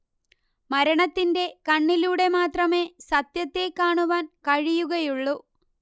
മരണത്തിന്റെ കണ്ണിലൂടെ മാത്രമേ സത്യത്തെ കാണുവാൻ കഴിയുകയുള്ളു